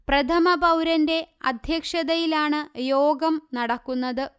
പ്രഥമപൌരന്റെ അധ്യക്ഷതയിലാണ് യോഗം നടക്കുന്നത്